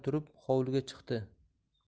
turib hovliga chiqdi